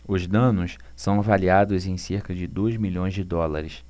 os danos são avaliados em cerca de dois milhões de dólares